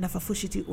Nafa fo si tɛ